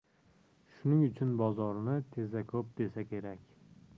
shuning uchun bozorni tezakop desa kerak